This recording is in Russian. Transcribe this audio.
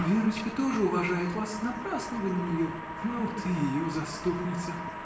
— Верочка тоже уважает вас: напрасно вы на нее. — Ну, ты ее заступница!